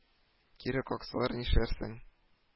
Кире каксалар нишләрсең